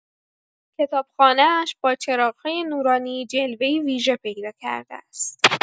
کتاب‌خانه‌اش با چراغ‌های نورانی جلوه‌ای ویژه پیدا کرده است.